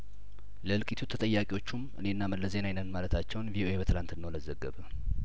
ለእልቂቱ ተጠያቂ ዎቹም እኔና መለስ ዜናዊ ነን ማለታቸውን ቪኦኤበት ላትናው እለት ዘገበ